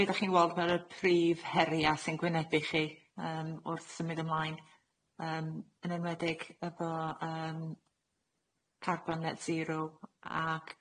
Be' dach chi'n weld fel y prif heria sy'n gwynebu chi yym wrth symud ymlaen yym yn enwedig efo yym Carbon net zero ac